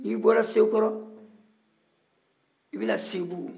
n'i bɔra sekɔrɔ i bɛ na sebugu